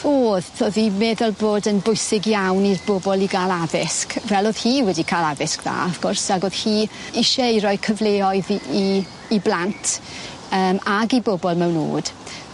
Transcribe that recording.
O'dd o'dd 'i'n meddwl bod yn bwysig iawn i'r bobol i ga'l addysg fel o'dd hi wedi ca'l addysg dda wrth gwrs ag o'dd hi isie i roi cyfleoedd i i i blant yym ag i bobol mewn o'd.